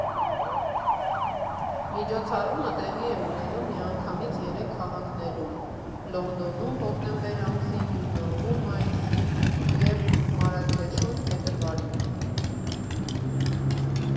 Միջոցառումը տեղի է ունենում միանգամից երեք քաղաքներում՝ Լոնդոնում հոկտեմբեր ամսին, Նյու Յորքում՝ մայիսին և Մարաքեշում՝ փետրվարին։